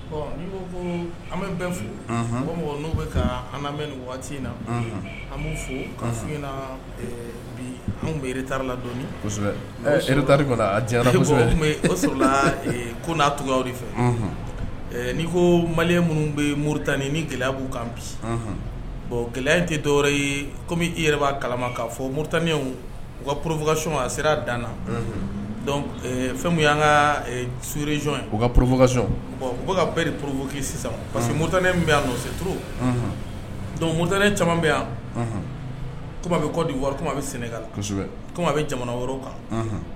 Ɔ n an bɛ bɛ fo n'u bɛ ka an bɛ waati in na an b'u fo ka na bi n bɛta la dɔn sɔrɔ ko n' tugu fɛ n'i ko mali minnu bɛ murutani ni gɛlɛya b'u kan bi bon gɛlɛya tɛ dɔw ye kɔmi i yɛrɛ b'a kala ka fɔ muten u ka porougkac a sera dan na fɛn y'an kaurreyɔn u ka porofkac bɔn u bɛka ka bɛɛ porobuki sisan parce que muten bɛ yan nɔ se turu donc muten caman bɛ yan kɔmi bɛ kɔ diwa kɔmi bɛ sɛnɛkasɛbɛ bɛ jamana wɛrɛ kan